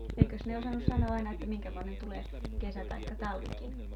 eikös ne osannut sanoa aina että minkämoinen tulee kesä tai talvikin